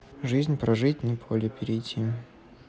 жизнь прожить не поле перейти